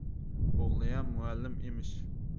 o'g'liyam muallim emish